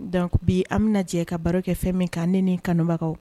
Donc bi an bɛna jɛ ka baro kɛ fɛn min kan ne ni n kanubagaw